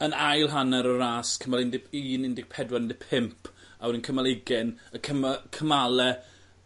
yn ail hanner y ras cymal un deg un un deg pedwar un deg pump a wedyn cymal ugen y cyma- cymale